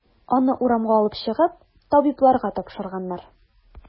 Аны урамга алып чыгып, табибларга тапшырганнар.